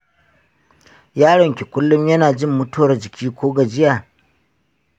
yaronki kullum yana jin mutuwar jiki ko gajiya?